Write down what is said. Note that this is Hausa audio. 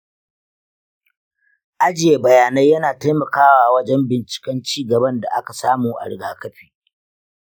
ajiye bayanai yana taimakawa wajen bincikan cigaban da aka samu a rigakafi.